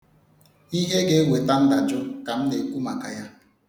Ihe ga-eweta ndajụ ka m na-ekwu maka ya.